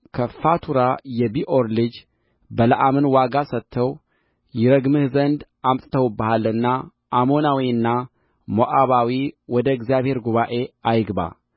ከፋቱራ የቢዖርን ልጅ በለዓምን ዋጋ ሰጥተው ይረግምህ ዘንድ አምጥተውብሃልና አሞናዊና ሞዓባዊ ወደ እግዚአብሔር ጉባኤ አይግባ